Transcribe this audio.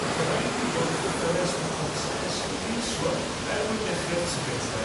Ac ma' rhain 'di bod wrth y fenest yn y cwt ers rhyw fis rhŵan, er mwyn dechreu'r tyfiant 'de?